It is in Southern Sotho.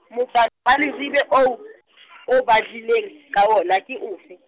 motsa- wa Leribe oo , o badileng ka wona, ke ofe?